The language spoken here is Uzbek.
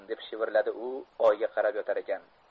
deb shivirladi u oyga qarab yotarkan